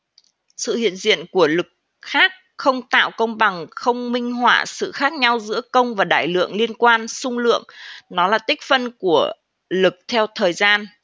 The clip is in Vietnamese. sự hiện diện của lực khác không tạo công bằng không minh họa sự khác nhau giữa công và đại lượng liên quan xung lượng nó là tích phân của lực theo thời gian